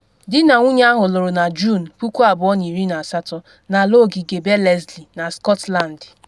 Di na nwunye ahụ lụrụ na Juun 2018 n’ala ogige be Leslie na Scotland.